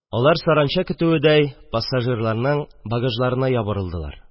Алар, саранча көтүедәй, пассажирларның багажларына ябырылдылар